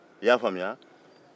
i y'a faamuya